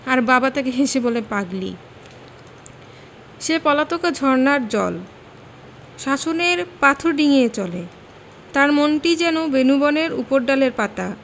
বাবা তাকে হেসে বলে পাগলি সে পলাতকা ঝরনার জল শাসনের পাথর ডিঙ্গিয়ে চলে তার মনটি যেন বেনূবনের উপরডালের পাতা